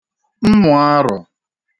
mmụ̀arọ̀